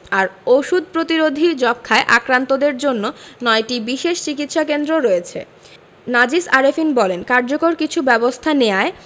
আর ওষুধ প্রতিরোধী যক্ষ্মায় আক্রান্তদের জন্য ৯টি বিশেষ চিকিৎসাকেন্দ্র রয়েছে নাজিস আরেফিন বলেন কার্যকর কিছু ব্যবস্থা নেয়ায়